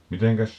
mitenkäs